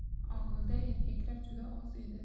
ovulda erkaklar juda oz edi